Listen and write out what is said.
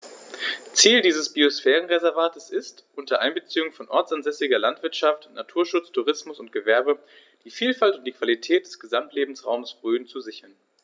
Ziel dieses Biosphärenreservates ist, unter Einbeziehung von ortsansässiger Landwirtschaft, Naturschutz, Tourismus und Gewerbe die Vielfalt und die Qualität des Gesamtlebensraumes Rhön zu sichern.